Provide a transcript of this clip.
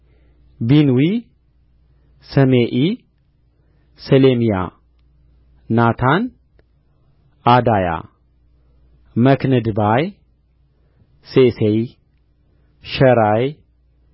ቢንዊ ሰሜኢ ሰሌምያ ናታን ዓዳያ መክነድባይ ሴሴይ ሸራይ